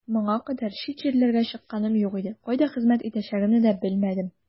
Моңа кадәр чит җирләргә чыкканым юк иде, кайда хезмәт итәчәгемне дә белмәдем.